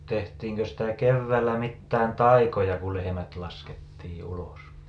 tehtiinkö sitä keväällä mitään taikoja kun lehmät laskettiin ulos